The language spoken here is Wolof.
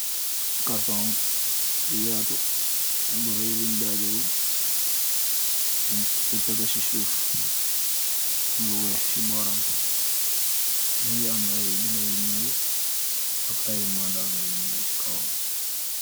Carton bu yatu bu reey bun dagewul bo tegu si sof am lu weex si boram mogi aam ay benda u nuul ak ay mandarga yu nuul si boram.